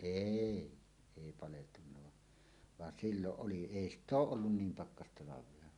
ei ei paleltunut vaan vaan silloin oli ei sitä - ole ollut niin pakkastalvea